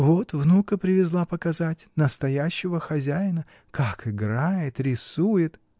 — Вот внука привезла показать — настоящего хозяина: как играет, рисует!